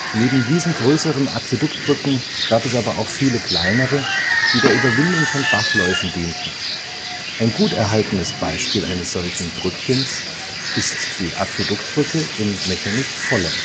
Neben diesen größeren Aquäduktbrücken gab es aber auch viele kleine, die der Überwindung von Bachläufen dienten. Ein gut erhaltenes Beispiel eines solchen Brückchens ist die Aquäduktbrücke in Mechernich-Vollem